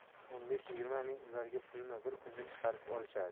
o'n besh yigirma ming ularga pulmi bir kunda chiqarib olishadi